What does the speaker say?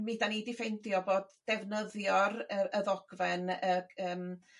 Mi 'dan ni 'di ffeindio bod defnyddio'r yy y ddogfen y g- yym